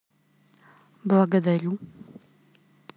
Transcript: благодарю